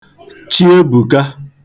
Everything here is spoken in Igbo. Chiebùka